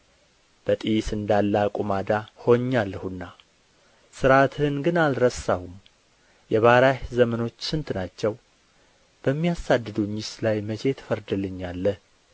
በጢስ እንዳለ አቁማዳ ሆኛለሁና ሥርዓትህን ግን አልረሳሁም የባሪያህ ዘመኖች ስንት ናቸው በሚያሳድዱኝስ ላይ መቼ ትፈርድልኛለህ